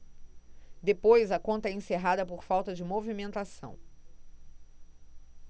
depois a conta é encerrada por falta de movimentação